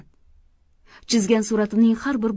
chizgan suratimning har bir